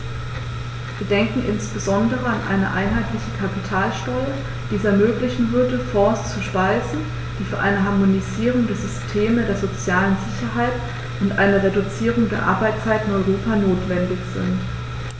Wir denken insbesondere an eine einheitliche Kapitalsteuer, die es ermöglichen würde, Fonds zu speisen, die für eine Harmonisierung der Systeme der sozialen Sicherheit und eine Reduzierung der Arbeitszeit in Europa notwendig sind.